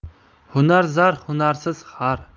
hunar zar hunarsiz xar